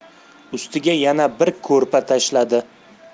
ustiga yana bir ko'rpa tashladi